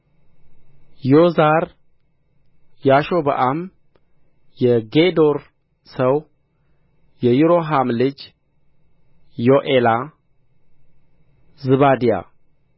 ዮዛር ያሾቢአም የጌዶር ሰው የይሮሃም ልጆች የኤላ ዝባድያ